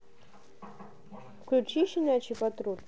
включи щенячий патруль